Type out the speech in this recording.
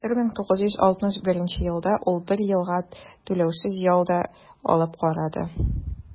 1961 елда ул бер елга түләүсез ял да алып карады.